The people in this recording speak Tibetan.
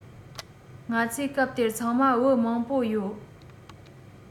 ང ཚོས སྐབས དེར ཚང མ བུ མང པོ ཡོད